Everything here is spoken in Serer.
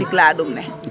jik ladum ne